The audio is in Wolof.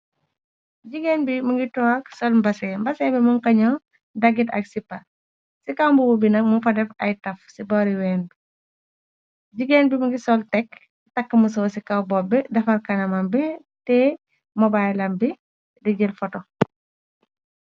Jigéen bi mu ngi took sol mbase mbase bi mu kaño dagit ak sipar ci kawmbubu binak mung fa def ay taf, ci bori ween bi. Jigéen bi mu ngi sol tekk takk musoor ci kaw bobbi , defar kanamam bi tehe mobile lam bi di jël foto.